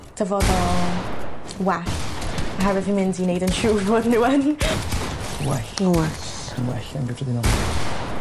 dyfodol well oherwydd fi mynd i neud yn siŵr fod n'w yn. Yn well. Yn well. Yn well yn gyffredinol.